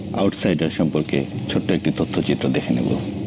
outsider সম্পর্কে ছোট্ট একটি তথ্যচিত্র দেখে নেব